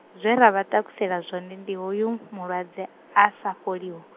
zwe ra vha takusela zwone, ndi hoyu mulwadze, asa fholiho.